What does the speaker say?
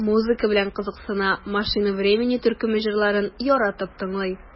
Музыка белән кызыксына, "Машина времени" төркеме җырларын яратып тыңлый.